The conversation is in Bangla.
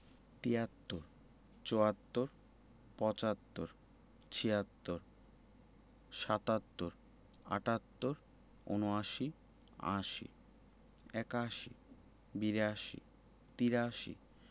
৭৩ – তিয়াত্তর ৭৪ – চুয়াত্তর ৭৫ – পঁচাত্তর ৭৬ - ছিয়াত্তর ৭৭ – সাত্তর ৭৮ – আটাত্তর ৭৯ – উনআশি ৮০ - আশি ৮১ – একাশি ৮২ – বিরাশি ৮৩ – তিরাশি